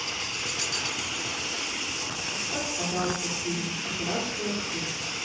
поставь пожалуйста фильм операция ы